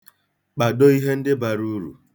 Kpado ihe ndị bara uru.